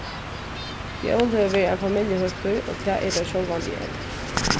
jól hevur verið ein familjuhøgtíð og tað er tað sjálvandi enn